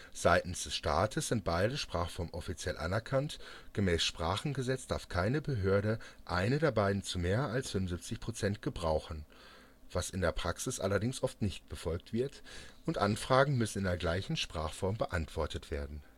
Seitens des Staates sind beide Sprachformen offiziell anerkannt; gemäß Sprachengesetz darf keine Behörde eine der beiden zu mehr als 75 % gebrauchen (was in der Praxis allerdings oft nicht befolgt wird), und Anfragen müssen in der gleichen Sprachform beantwortet werden